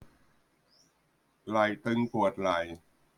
ไหล่ตึงปวดไหล่